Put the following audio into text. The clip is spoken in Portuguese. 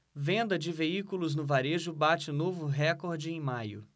venda de veículos no varejo bate novo recorde em maio